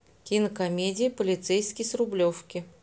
кинокомедия полицейский с рублевки